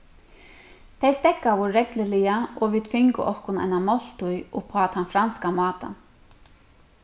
tey steðgaðu regluliga og vit fingu okkum eina máltíð upp á tann franska mátan